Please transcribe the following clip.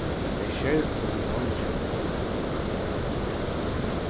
tey skerdu veingir hansara